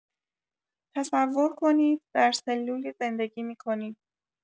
تصور کنید در سلولی زندگی می‌کنید.